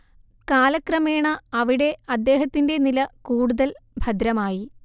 കാലക്രമേണ അവിടെ അദ്ദേഹത്തിന്റെ നില കൂടുതൽ ഭദ്രമായി